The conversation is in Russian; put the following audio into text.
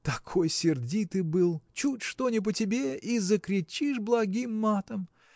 такой сердитый был: чуть что не по тебе – и закричишь благим матом.